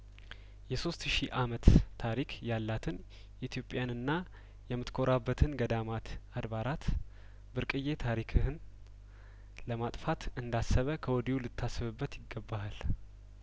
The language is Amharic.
የሶስት ሺ አመት ታሪክ ያላትን ኢትዮጵያንና የምትኮራበትን ገዳማት አድባራት ብርቅዬ ታሪክህን ለማጥፋት እንዳሰበ ከወዲሁ ልታስብበት ይገባሀል